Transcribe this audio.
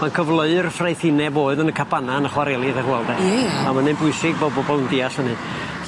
Ma'n cyfleu'r ffraethineb oedd yn y cabana yn y chwareli 'dach ch'wel' de? Hmm. A ma' ynny'n bwysig bo' bobol yn deall hynny.